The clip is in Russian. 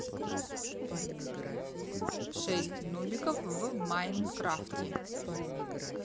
шесть нубиков в майнкрафте